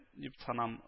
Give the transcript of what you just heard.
Дип сана